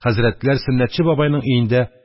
Хәзрәтләр сөннәтче бабайның өендә